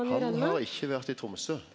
han har ikkje vore i Tromsø.